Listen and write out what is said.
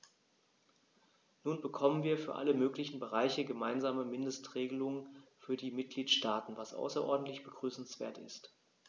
Nun bekommen wir für alle möglichen Bereiche gemeinsame Mindestregelungen für die Mitgliedstaaten, was außerordentlich begrüßenswert ist.